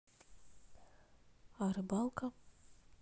а рыбалка